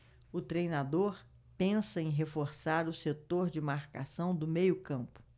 o treinador pensa em reforçar o setor de marcação do meio campo